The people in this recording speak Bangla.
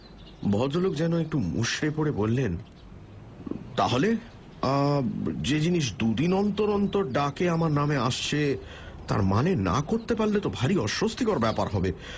তাহলে যে জিনিস দুদিন অন্তর অন্তর ডাকে আমার নামে আসছে তার মানে না করতে পারলে তো ভারী অস্বস্তিকর ব্যাপার হবে